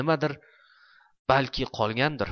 nimadir balki qolgandir